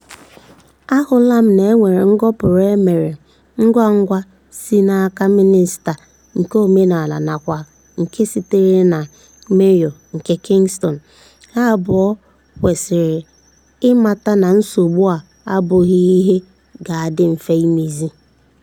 Ahụla m na e nwere ngọpụrụ e mere ngwangwa si n'aka Mịnịsta nke Omenala nakwa nke sitere na Meyọ nke Kingston. Ha abụọ kwesịrị ịmata na nsogbu a abụghị ihe ga-adị mfe imezi.